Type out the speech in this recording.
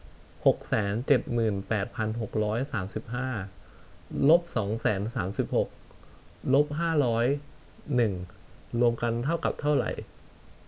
หกแสนเจ็ดหมื่นแปดพันหกร้อยสามสิบห้าลบสองแสนสามสิบหกลบห้าร้อยหนึ่งรวมกันเท่ากับเท่าไหร่